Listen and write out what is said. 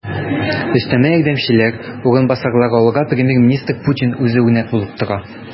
Өстәмә ярдәмчеләр, урынбасарлар алуга премьер-министр Путин үзе үрнәк булып тора.